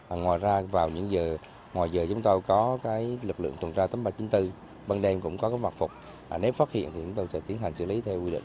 ngoài ra vào những giờ ngoài giờ chúng tôi có cái lực lượng tuần tra tám ba chín tư ban đêm cũng có mặt phục nếu phát hiện chúng tôi sẽ tiến hành xử lý theo quy định